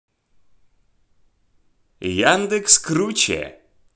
яндекс круче